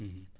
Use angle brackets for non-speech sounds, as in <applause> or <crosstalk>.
<hesitation> <hesitation>